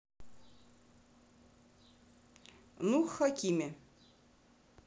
ну хакими